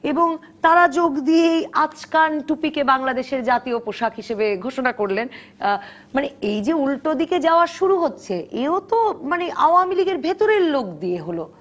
এবং তারা যোগ দিয়েই আচকান টুপি কে বাংলাদেশের জাতীয় পোশাক হিসেবে ঘোষণা করলেন এই যে উল্টো দিকে যাওয়া শুরু হচ্ছে এ ও তো মানে আওয়ামী লীগের ভেতরে লোক দিয়ে হল